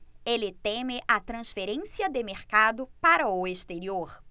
ele teme a transferência de mercado para o exterior